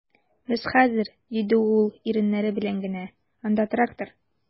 Без хәзер, - диде ул иреннәре белән генә, - анда трактор...